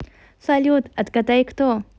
салют отгадай кто